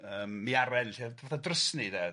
Yym miaren lle o'dd fatha drysni de.